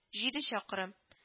– җиде чакрым